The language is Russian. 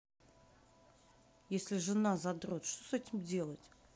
если жена задрот что с этим делать